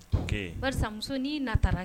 Okey barisa muso nin nata la kɛ